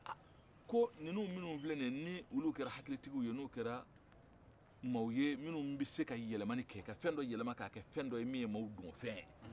aaa ko ninnu minnu filɛ ni ye ni olu kɛra hakilitigiw ye n'u kɛra maaw ye minnu bɛ se ka yɛlɛmani kɛ ka fɛn dɔ yɛlɛ ka kɛ fɛn dɔ ye n'o ye maaw donfɛn ye